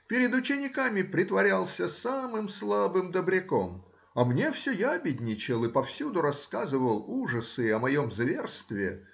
перед учениками притворялся самым слабым добряком, а мне все ябедничал и повсюду рассказывал ужасы о моем зверстве.